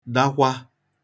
dakwa